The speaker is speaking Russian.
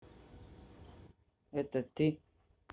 это ты